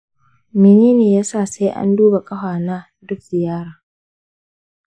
mene yasa sai an duba ƙafa na duk ziyara?